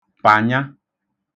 Pànya